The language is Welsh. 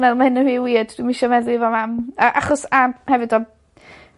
meddwl ma' hyn yn rhy wierd dwi'm isio meddwi efo fam a- achos am hefyd odd